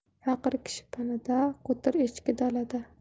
faqir kishi panada qo'tir echki dalada